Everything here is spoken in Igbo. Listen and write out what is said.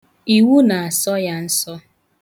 Iwu na-asọ ya nsọ.